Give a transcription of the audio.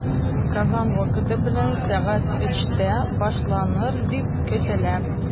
Казан вакыты белән сәгать өчтә башланыр дип көтелә.